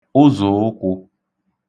ụzụ̀ụkwū